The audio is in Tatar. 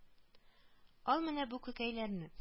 Ал менә бу күкәйләрне